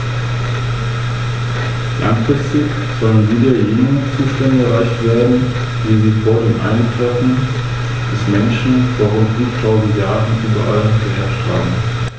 Damit beherrschte Rom den gesamten Mittelmeerraum.